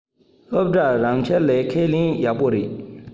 སློབ གྲྭ རང ཁྱིམ ལས ཁས ལེན ཡག པོ རེད